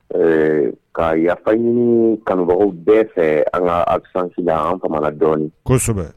Ɛɛ ka yafa ɲini kanubagaw bɛɛ fɛ an ka asasigi an dɔɔnin kosɛbɛ